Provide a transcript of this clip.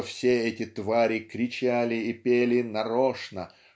что все эти твари кричали и пели нарочно